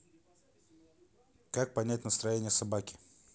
как понять настроение собаки